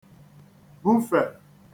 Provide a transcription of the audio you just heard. bufè